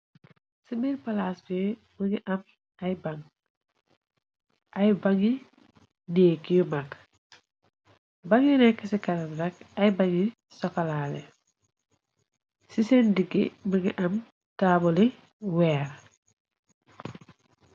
Si biir palaas bi mi ngi am ay bang, ay bangi néeg yu mag, bang yu nekk ci kanam nak ay bang yu sokalaa lej, ci seen diggi mëngi am taabali weer.